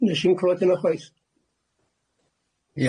Nesh i'm clywad yn y chwaith.